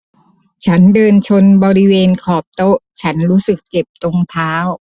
ฉันเดินชนบริเวณขอบโต๊ะฉันรู้สึกเจ็บตรงเท้า